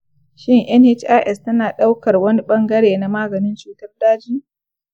shin nhis tana ɗaukar wani ɓangare na maganin cutar daji?